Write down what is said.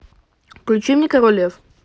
включи мне король лев